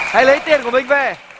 hãy lấy tiền của mình về